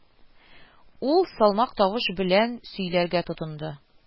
Ул салмак тавыш белән сөйләргә тотынды: